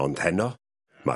ond heno ma'...